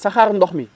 saxaaru ndox mi